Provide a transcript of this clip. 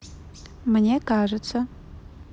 мне кажется